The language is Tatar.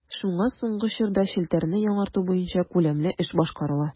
Шуңа соңгы чорда челтәрне яңарту буенча күләмле эш башкарыла.